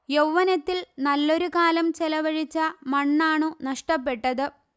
യൌവനത്തിൽ നല്ലൊരുകാലം ചെലവഴിച്ച മണ്ണാണു നഷ്ടപ്പെട്ടത്